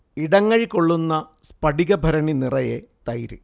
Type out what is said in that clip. ഇടങ്ങഴി കൊള്ളുന്ന സ്ഫടിക ഭരണി നിറയെ തൈര്